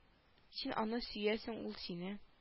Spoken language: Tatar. Син аны сөясең ул сине